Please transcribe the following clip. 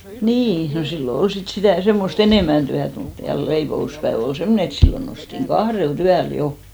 niin no silloin oli sitten sitä semmoista enemmän työtä mutta ja leipomuspäivä oli semmoinen että silloin noustiin kahdelta yöllä jo